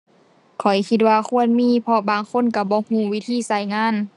ข้อยคิดว่าควรมี เพราะบางคนก็บ่ก็วิธีก็งาน